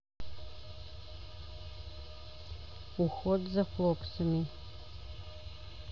уход за флоксами